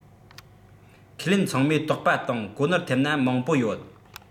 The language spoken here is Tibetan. ཁས ལེན ཚང མས དོགས པ དང གོ ནོར ཐེབས ན མང པོ ཡོད